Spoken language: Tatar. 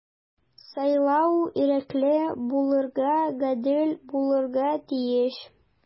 Сайлау ирекле булырга, гадел булырга тиеш.